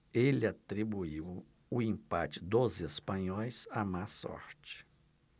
ele atribuiu o empate dos espanhóis à má sorte